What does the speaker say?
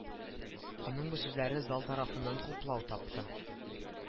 Аның бу сүзләре зал тарафыннан хуплау тапты